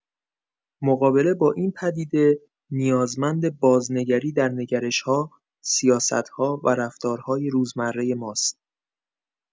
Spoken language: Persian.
مقابله با این پدیده، نیازمند بازنگری در نگرش‌ها، سیاست‌ها و رفتارهای روزمره ماست.